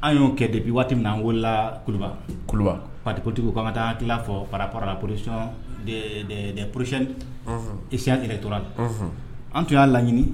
An y'o de bi waati min an wololababati taa farara p psiy i yɛrɛre torala an tun y'a laɲini